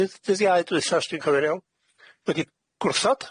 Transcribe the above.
Dydd dydd Iaith dwetha os dwi'n cymyd iawn wedi gwrthod.